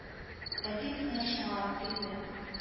Әти безне шуңа алып килде